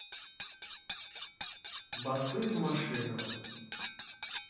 басы в машину